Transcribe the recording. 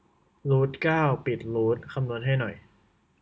รูทเก้าปิดรูทคำนวณให้หน่อย